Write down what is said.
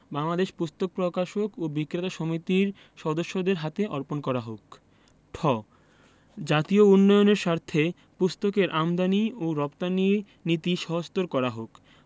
বাংলাদেশ পুস্তক প্রকাশক ও বিক্রেতা সমিতির সদস্যদের হাতে অর্পণ করা হোক ঠ জাতীয় উন্নয়নের স্বার্থে পুস্তকের আমদানী ও রপ্তানী নীতি সহজতর করা হোক